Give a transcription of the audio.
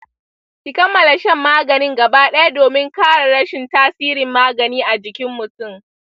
ki kammala shan maganin gaba daya domin kare rashin tasirin magani a jikin mutum.